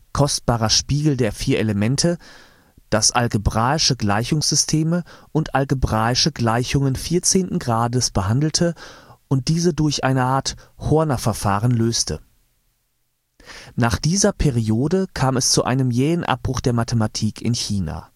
Kostbarer Spiegel der vier Elemente “), das algebraische Gleichungssysteme und algebraische Gleichungen vierzehnten Grades behandelte und diese durch eine Art Hornerverfahren löste. Nach dieser Periode kam es zu einem jähen Abbruch der Mathematik in China